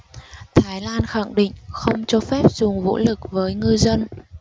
thái lan khẳng định không cho phép dùng vũ lực với ngư dân